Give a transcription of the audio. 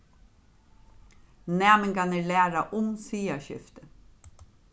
næmingarnir læra um siðaskiftið